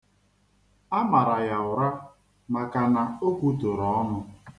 A mara ya ụra maka na o kwutọrọ ọnụ.